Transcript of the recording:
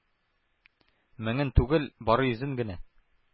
Меңен түгел, бары йөзен генә